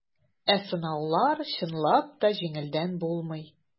Ә сынаулар, чынлап та, җиңелдән булмый.